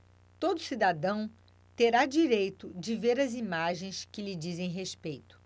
todo cidadão terá direito de ver as imagens que lhe dizem respeito